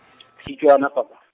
Setswana papa.